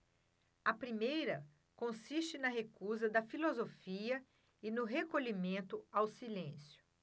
a primeira consiste na recusa da filosofia e no recolhimento ao silêncio